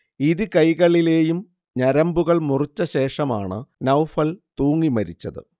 ഇരു കൈകളിലെയും ഞരമ്പുകൾ മുറിച്ചശേഷമാണു നൗഫൽ തൂങ്ങിമരിച്ചത്